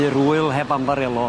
I'r ŵyl heb ambarelo.